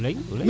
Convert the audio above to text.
o leŋ o leŋ